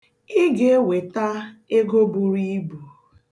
Ị ga-eweta ego buru ibu.